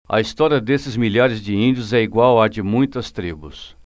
a história desses milhares de índios é igual à de muitas tribos